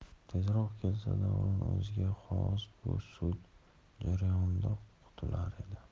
tezroq kelsa davron o'ziga xos bu sud jarayonidan qutular edi